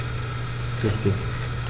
Richtig